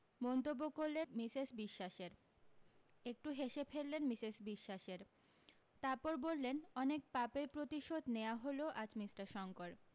মন্তব্য করলেন মিসেস বিশ্বাসের একটু হেসে ফেললেন মিসেস বিশ্বাসের তারপর বললেন অনেক পাপের প্রতিশোধ নেওয়া হলো আজ মিষ্টার শংকর